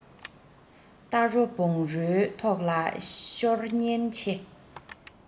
རྟ རོ བོང རོའི ཐོག ལ ཤོར ཉེན ཆེ